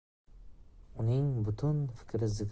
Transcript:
uning butun fikri